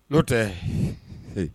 N'o tɛ, ee